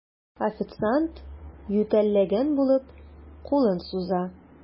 Официант, ютәлләгән булып, кулын суза.